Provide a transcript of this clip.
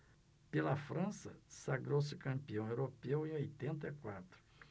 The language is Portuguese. pela frança sagrou-se campeão europeu em oitenta e quatro